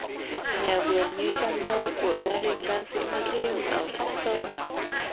nhà vườn như trong mơ của gia đình ca sĩ mỹ linh ở sóc sơn